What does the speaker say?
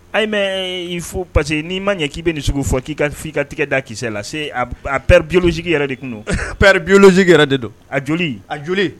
A i fo parce que n'i ma ɲɛ k'i bɛ nin sugu fɔ k'i'i ka tigɛ da kisɛ lase seɛrij yɛrɛ de tunɛrisigi yɛrɛ de don a joli a joli